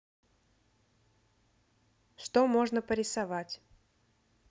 что можно порисовать